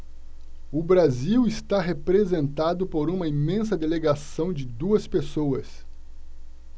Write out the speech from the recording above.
o brasil está representado por uma imensa delegação de duas pessoas